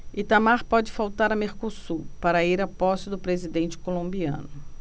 itamar pode faltar a mercosul para ir à posse do presidente colombiano